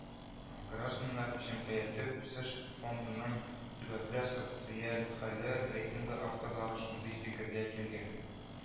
Гражданнар җәмгыяте үсеш фондының төбәкләр социаль хәле рейтингы авторлары шундый фикергә килгән